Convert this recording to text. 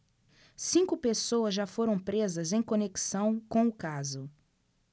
cinco pessoas já foram presas em conexão com o caso